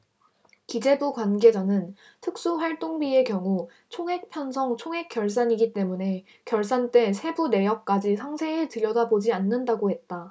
기재부 관계자는 특수활동비의 경우 총액 편성 총액 결산이기 때문에 결산 때 세부 내역까지 상세히 들여다보지 않는다고 했다